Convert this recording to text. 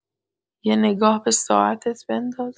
یه نگاه به ساعتت بنداز